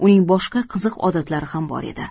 uning boshqa qiziq odatlari ham bor edi